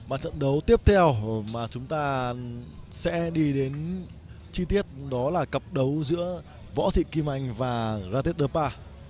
và trận đấu tiếp theo mà chúng ta sẽ đi đến chi tiết đó là cặp đấu giữa võ thị kim anh và ra típ đờ ba